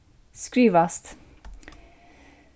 skrivast